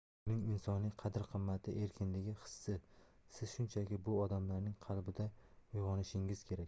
uning insoniy qadr qimmati erkinligi hissi siz shunchaki bu odamlarning qalbida uyg'onishingiz kerak